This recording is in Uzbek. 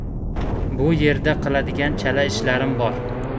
bu yerda qiladigan chala ishlarim bor